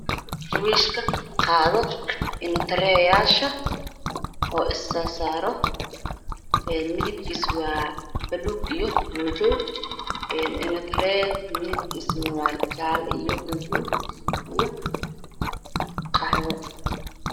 Waa wiish ka qaado gaariyaal waaween oo bluug qaxwi ah